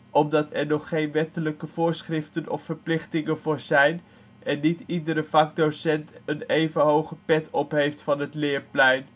omdat er nog geen wettelijke voorschriften/verplichtingen voor zijn en niet iedere vakdocent een even hoge pet opheeft van het leerplein